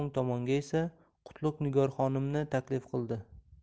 esa qutlug' nigor xonimni taklif qildi